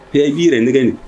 Pea i b'i yɛrɛ nɛgɛn de